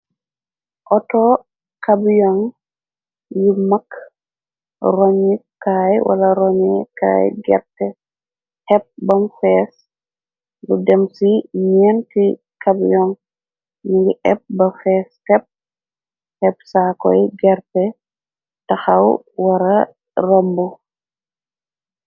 auto cabyon yu mag roñikaay wala ronikaay gerte epp bam fees lu dem ci ñeenti cabyon ningi épp ba fees e ebsakoy gerte taxaw wara romb.